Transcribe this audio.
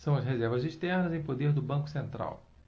são as reservas externas em poder do banco central